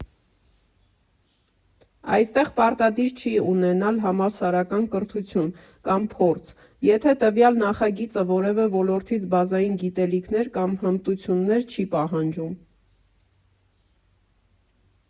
Այստեղ պարտադիր չէ ունենալ համալսարանական կրթություն կամ փորձ, եթե տվյալ նախագիծը որևէ ոլորտից բազային գիտելիքներ կամ հմտություններ չի պահանջում.